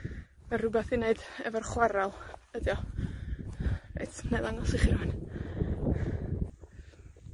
ma' rwbath i wneud efo'r chwaral ydi o. Reit, nai ddangos i chi rŵan.